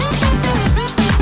chuyện